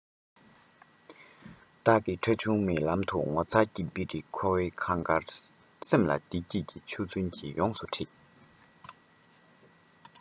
བདག གི ཁྲ ཆུང མིག ལམ དུ ངོ མཚར གྱི དཔེ རིས ཁོ བོའི གངས དཀར སེམས ལ བདེ སྐྱིད ཀྱི ཆུ འཛིན གྱི ཕོན པོ ཡ